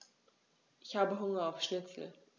Ich habe Hunger auf Schnitzel.